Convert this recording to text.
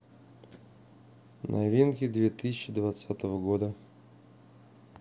новинки две тысячи двадцатого года